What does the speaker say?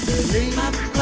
đời lính